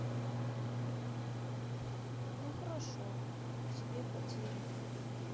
ну хорошо так тебе потери